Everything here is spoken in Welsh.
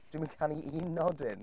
Dwi'm yn canu un nodyn.